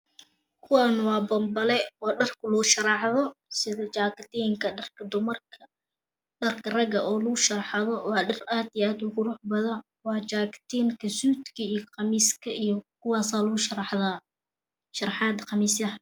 Kuwane waa bonbale oo dharka luu sharaxdo sida jakatinka dharka dumarka dharka rag o lagu sharaxdo waa dhar aad iyo aad u qurux badan waa jakatinka sudka iyo qamiska iyo kuwas lu sharaxdaa sharaxda qamiis yaha